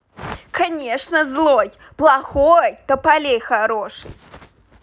конечно злой плохой тополей хороший